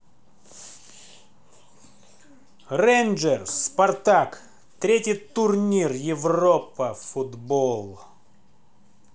рейнджерс спартак третий турнир европа в футбол